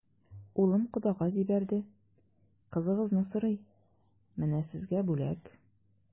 Улым кодага җибәрде, кызыгызны сорый, менә сезгә бүләк.